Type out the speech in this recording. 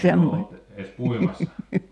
en ole ollut edes puimassa